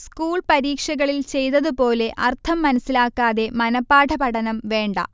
school പരീക്ഷകളിൽ ചെയ്തതുപോലെ അർഥം മനസ്സിലാക്കാതെ മനഃപാഠ പഠനം വേണ്ട